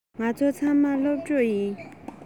ང ཚོ ཚང མ སློབ ཕྲུག ཡིན